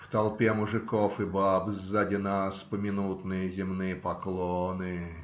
в толпе мужиков и баб сзади нас поминутные земные поклоны.